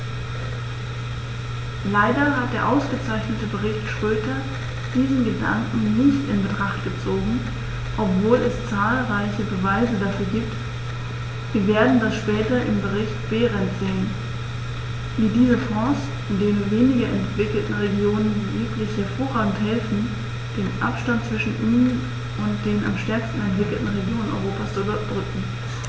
Leider hat der ausgezeichnete Bericht Schroedter diesen Gedanken nicht in Betracht gezogen, obwohl es zahlreiche Beweise dafür gibt - wir werden das später im Bericht Berend sehen -, wie diese Fonds den weniger entwickelten Regionen wirklich hervorragend helfen, den Abstand zwischen ihnen und den am stärksten entwickelten Regionen Europas zu überbrücken.